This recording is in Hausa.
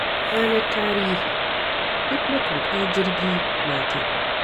RANAR TARIHI - Duk matuƙa jirgi mata